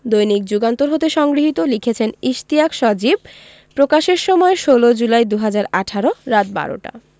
দৈনিক যুগান্তর হতে সংগৃহীত লিখেছেন ইশতিয়াক সজীব প্রকাশের সময় ১৬ জুলাই ২০১৮ রাত ১২টা